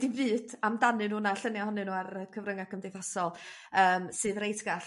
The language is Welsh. dim byd amdanyn nw na llunia ohonyn nhw ar yy cyfrynga cymdeithasol yym sydd reit gall